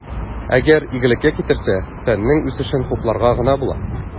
Әгәр игелеккә китерсә, фәннең үсешен хупларга гына була.